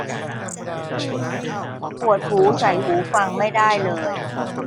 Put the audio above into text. ปวดหูใส่หูฟังไม่ได้เลย